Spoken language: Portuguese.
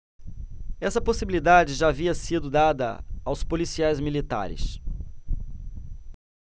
essa possibilidade já havia sido dada aos policiais militares